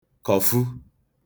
kọ̀fu